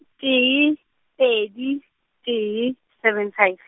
tee, pedi, tee, seven five.